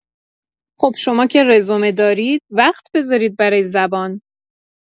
خب شما که رزومه دارید، وقت بذارید برای زبان